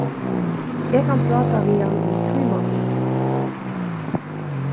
eg kann práta við hann í tímavís